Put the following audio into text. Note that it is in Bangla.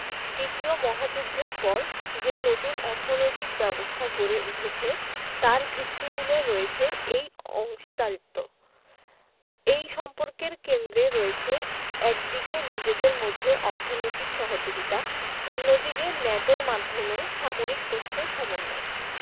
দ্বিতীয় মহাযুদ্ধের পর যে নতুন অর্থনৈতিক ব্যবস্থা গড়ে উঠেছে তার ভিত্তিমূলে রয়েছে এই অংশীদারত্ব এই সম্পর্কের কেন্দ্রে রয়েছে একদিকে নিজেদের মধ্যে অর্থনৈতিক সহযোগিতা অন্যদিকে ন্যাটোর মাধ্যমে সামরিক প্রশ্নে সমন্বয়